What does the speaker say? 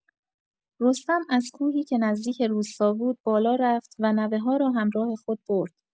رستم از کوهی که نزدیک روستا بود بالا رفت و نوه‌ها را همراه خود برد.